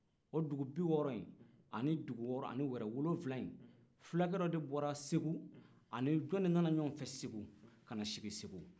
o dugu bi wɔɔrɔ in ani dugu wɔɔrɔ ani wɛrɛ wolonwula in fulakɛ dɔ de bɔra segu ani joni nana ɲɔgɔn fɛ segu ka na sigi segu